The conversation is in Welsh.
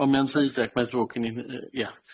O mae o'n ddeuddeg, mae'n ddrwg gen i, m- yy, ia.